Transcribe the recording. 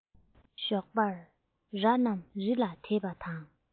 ཞོགས པར ར རྣམས རི ལ དེད པ དང